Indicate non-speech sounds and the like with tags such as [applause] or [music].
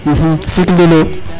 [hesitation] [hesitation] cycle de l' eau